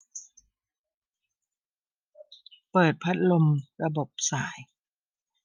เปิดพัดลมระบบส่าย